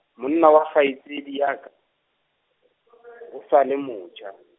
monna wa kgaitsedi ya ka , o sa le motjha.